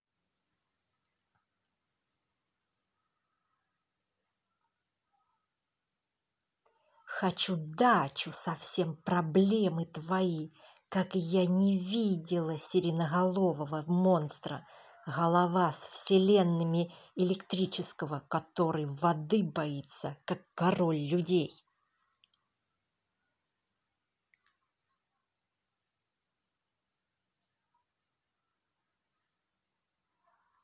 хочу дачу совсем проблемы твои как я не видела сиреноголового монстра голова с вселенными электрического который воды боится король людей